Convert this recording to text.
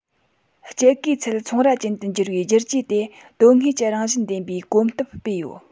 སྐྱེད ཀའི ཚད ཚོང ར ཅན དུ འགྱུར བའི བསྒྱུར བཅོས དེ དོན དངོས ཀྱི རང བཞིན ལྡན པའི གོམ སྟབས སྤོས ཡོད